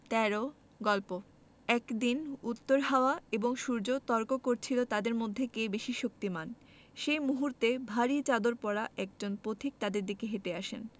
১৩ গল্প একদিন উত্তর হাওয়া এবং সূর্য তর্ক করছিল তাদের মধ্যে কে বেশি শক্তিমান সেই মুহূর্তে ভারি চাদর পরা একজন পথিক তাদের দিকে হেটে আসেন